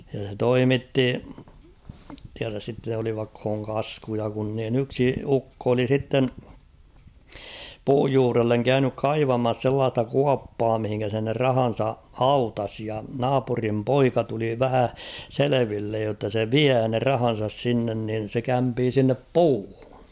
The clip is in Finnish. ja se toimitti tiedä sitten olivatko kaskuja kun niin yksi ukko oli sitten puun juurelle käynyt kaivamassa sellaista kuoppaa mihin se ne rahansa hautasi ja naapurin poika tuli vähän selville jotta se vie ne rahansa sinne niin se kämpii sinne puuhun